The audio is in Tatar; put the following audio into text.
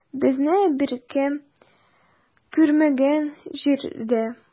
Безне беркем күрмәгән җирдә.